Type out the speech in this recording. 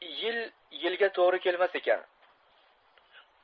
yil yilga to'g'ri kelmas ekan